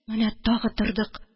Менә тагы тордык.